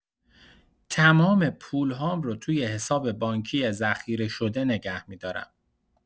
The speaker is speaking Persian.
تمام پول‌هام رو توی حساب بانکی ذخیره‌شده نگه می‌دارم.